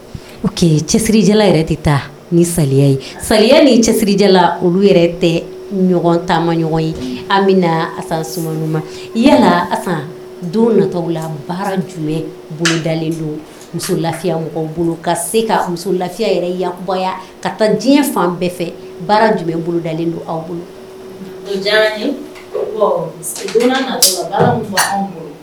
Cɛsiri taa ni saya ni cɛsiri olu tɛ ɲɔgɔn taama ɲɔgɔn ye an bɛnasa ma yala dontɔ la baara jumɛn boloda don muso lafiya mɔgɔw bolo ka se ka muso lafiya yan ka taa diɲɛ fan bɛɛ fɛ baara jumɛn bolodalen don aw bolo